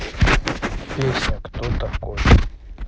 песня кто такой